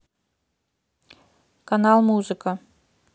канал музыка